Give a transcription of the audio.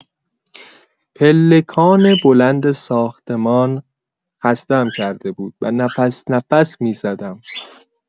پلکان بلند ساختمان خسته‌ام کرده بود و نفس‌نفس می‌زدم.